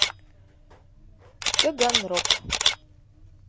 таганрог